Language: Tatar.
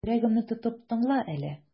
Йөрәгемне тотып тыңла әле.